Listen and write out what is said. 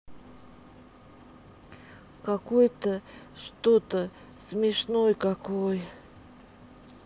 какой то что то смешной какой